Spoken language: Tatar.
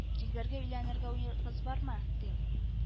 Дилбәргә өйләнергә уегыз бармы, дим